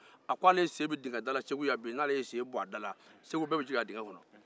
a ko ale sen bɛ dingɛ da la segu n'ale y'i sen bo a da la segu bɛɛ bɛ jigin a kɔnɔ